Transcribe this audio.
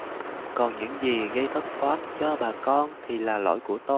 còn những gì gây thất thoát cho bà con thì là lỗi của tôi